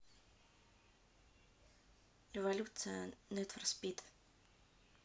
эволюция недфорспид